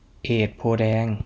เอดโพธิ์แดง